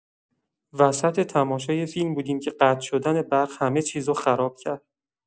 وسط تماشای فیلم بودیم که قطع شدن برق همه چیزو خراب کرد.